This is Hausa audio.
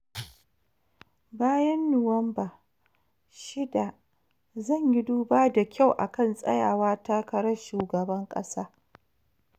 “Bayan Nuwamba 6, Zan yi duba da kyau akan tsayawa takarar shugaban kasa .”